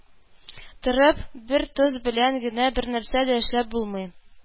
Торып, бер тоз белән генә бернәрсә дә эшләп булмый